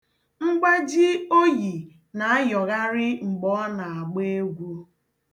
Mgbaji o yi na-ayọgharị mgbe ọ na-agba egwu.